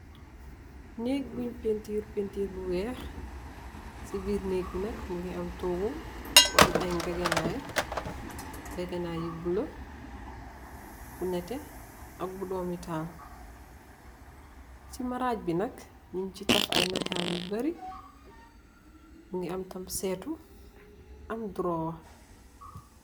Nëëk buñg peentiir peentir bu weex, si biir nëëk bi nak mu ngi am ay.... ñegenaay yu bulo, bu nétte ak bu dööm i taal. Si maraaj bi nak, ñung si taf ay nataal yu bari, am séétu, am duroowa.